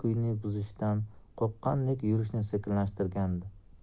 kuyni buzishdan qo'rqqandek yurishini sekinlashtirgandi